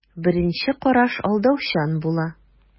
Беренче караш алдаучан була.